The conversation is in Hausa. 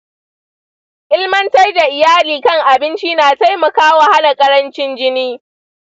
ilmantar da iyali kan abinci na taimakawa hana ƙarancin jini.